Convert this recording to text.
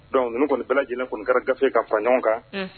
Dɔnku ninnuu kɔni bɛ lajɛlen kɔni ka gafe ka fa ɲɔgɔn kan